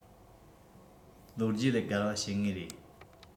ལོ རྒྱུས ལས རྒལ བ བྱེད ངེས རེད